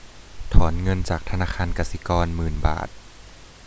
ถอนเงินจากธนาคารกสิกรหมื่นบาท